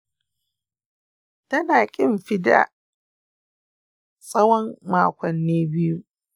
ta na ƙin fida tsawon makonni biyu.